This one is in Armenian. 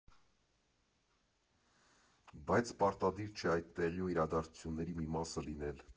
Բայց պարտադիր չէ այդ տեղի ու իրադարձությունների մի մասը լինել։